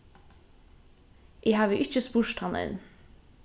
eg havi ikki spurt hann enn